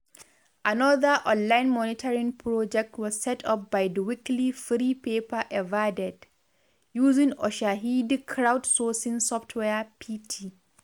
Another online monitoring project was set up by the weekly free paper A Verdade, using Ushahidi crowd-sourcing software [pt].